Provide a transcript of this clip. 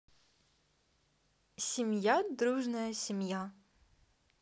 семья дружная семья